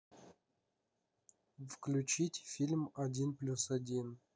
включить фильм один плюс один